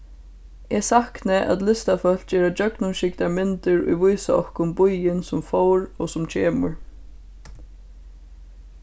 eg sakni at listafólk gera gjøgnumskygdar myndir ið vísa okkum býin sum fór og sum kemur